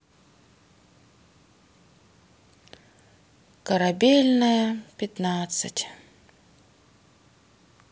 корабельная пятнадцать